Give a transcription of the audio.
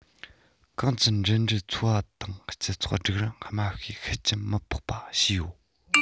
གངས ཀྱིས འགྲིམ འགྲུལ འཚོ བ དང སྤྱི ཚོགས སྒྲིག རིམ དམའ ཤོས ཤུགས རྐྱེན མི ཕོག པ བྱས ཡོད